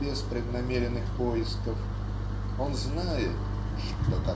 без преднамеренных поисков. Он знает, что .